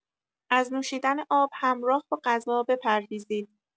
از نوشیدن آب همراه با غذا بپرهیزید.